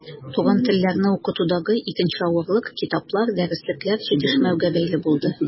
Туган телләрне укытудагы икенче авырлык китаплар, дәреслекләр җитешмәүгә бәйле булды.